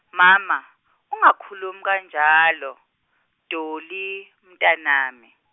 mama ungakhulumi kanjalo Dolly mntanami.